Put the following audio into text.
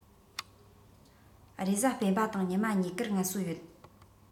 རེས གཟའ སྤེན པ དང ཉི མ གཉིས ཀར ངལ གསོ ཡོད